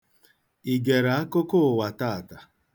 I gere akụkọ ụwa taata?